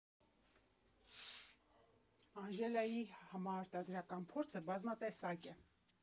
Անժելայի համարտադրական փորձը բազմատեսակ է.